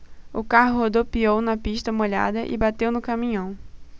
o carro rodopiou na pista molhada e bateu no caminhão